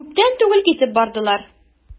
Күптән түгел китеп бардылар.